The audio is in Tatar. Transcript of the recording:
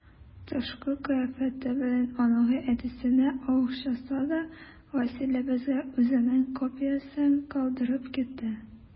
Тышкы кыяфәте белән оныгы әтисенә охшаса да, Вәсилә безгә үзенең копиясен калдырып китте.